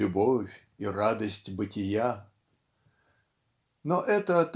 любовь и радость бытия", но это